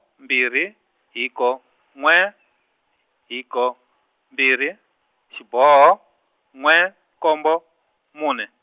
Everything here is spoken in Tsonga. mbirhi, hiko, n'we , hiko, mbirhi, xiboho, n'we, nkombo, mune.